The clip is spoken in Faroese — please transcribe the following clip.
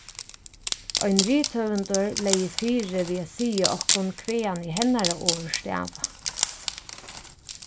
ein rithøvundur legði fyri við at siga okkum hvaðani hennara orð stava